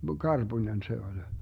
karpunen se oli